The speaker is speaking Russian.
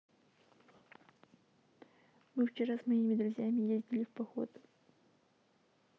мы вчера с моими друзьями ездили в поход